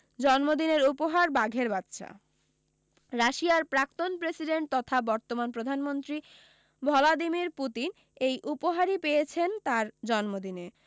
জন্মদিনের উপহার বাঘের বাচ্চা রাশিয়ার প্রাক্তন প্রেসিডেন্ট তথা বর্তমান প্রধানমন্ত্রী ভলাদিমির পুতিন এই উপহারই পেয়েছেন তাঁর জন্মদিনে